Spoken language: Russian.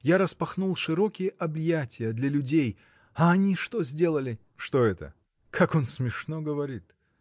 я распахнул широкие объятия для людей, а они что сделали? – Что это, как он смешно говорит!